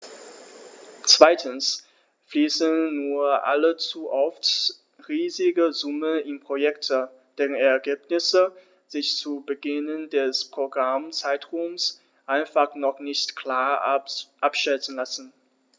Zweitens fließen nur allzu oft riesige Summen in Projekte, deren Ergebnisse sich zu Beginn des Programmzeitraums einfach noch nicht klar abschätzen lassen.